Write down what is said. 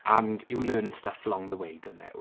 And you learn stuff along the way don't you.